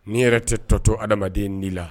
N'i yɛrɛ tɛ tɔtɔ adamadamaden' la